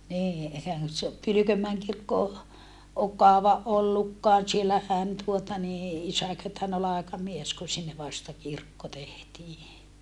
niin eihän se ole Pylkönmäen kirkko ole ole kauan ollutkaan siellähän tuota niin isäkö tainnut olla aikamies kun sinne vasta kirkko tehtiin